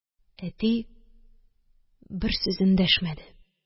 Әти бер сүз эндәшмәде